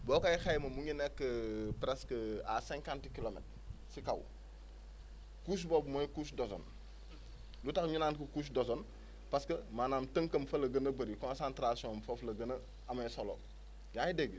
boo koy xayma mu ngi nekk presque à cinquante kilomètres si kaw couche boobu mooy couche d' ozone lu tax ñu naan ko couche d' oeone parce que maanaam tënkam fa la gën a bëri concentration am foofu la gën a amee solo yaa ngi dégg